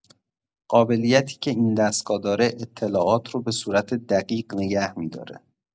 قابلیتی که این دستگاه داره، اطلاعات رو به صورت دقیق نگه می‌داره.